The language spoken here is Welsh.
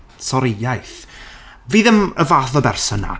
Sori, iaith. Fi ddim y fath o berson 'na.